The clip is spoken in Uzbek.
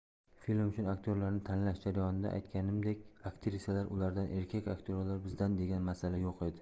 film uchun aktyorlarni tanlash jarayonida aytganimdek aktrisalar ulardan erkak aktyorlar bizdan degan masala yo'q edi